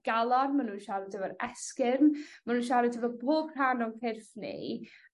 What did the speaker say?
galon ma' nw'n siarad efo'r esgyrn ma' nw'n siarad efo pob rhan o'n cyrff ni